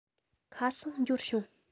ཁ སང འབྱོར བྱུང